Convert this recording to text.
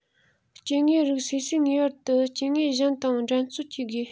སྐྱེ དངོས རིགས སོ སོས ངེས པར དུ སྐྱེ དངོས གཞན དང འགྲན རྩོད བགྱི དགོས